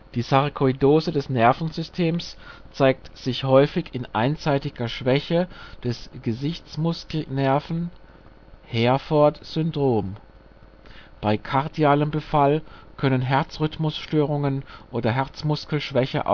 Sarkoidose der Nerven zeigt sich häufig in einseitiger Schwäche des Gesichtsmuskelnerven (Heerfordt-Syndrom). Bei kardialem Befall können Herzrhythmusstörungen oder Herzmuskelschwäche